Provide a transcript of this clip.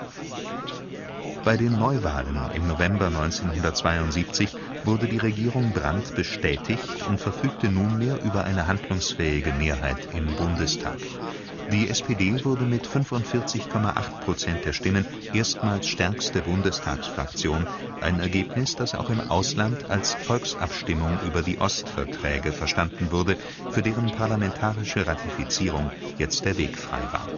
Bei den Neuwahlen im November 1972 wurde die Regierung Brandt bestätigt und verfügte nunmehr über eine handlungsfähige Mehrheit im Bundestag. Die SPD wurde mit 45,8 % der Stimmen erstmals stärkste Bundestagsfraktion, ein Ergebnis, das auch im Ausland als Volksabstimmung über die Ostverträge verstanden wurde, für deren parlamentarische Ratifizierung jetzt der Weg frei war